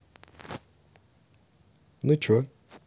ну че